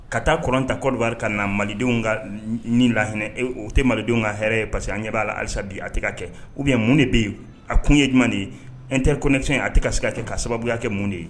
Ka taa klɔn ta kɔbaliri ka na malidenw ka ni lainɛ o tɛ malidenw ka hɛrɛ ye pa parce que an ɲɛ b'a la halisa bi a tɛ ka kɛ ubi mun de bɛ yen a kun ye jumɛn de ye n teri koɛ ye a tɛ ka se a kɛ ka sababuya kɛ mun de ye